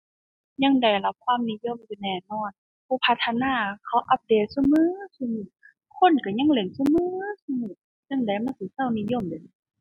ยังได้รับความนิยมอยู่แน่นอน ผู้พัฒนาเขาอัปเดตซุมื้อซุมื้อ คนก็ยังเล่นซุมื้อซุมื้อ จั่งใดมันสิเซานิยม